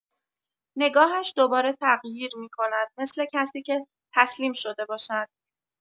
نگاهش دوباره تغییر می‌کند، مثل کسی که تسلیم شده باشد.